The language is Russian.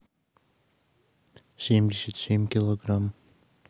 семьдесят семь килограмм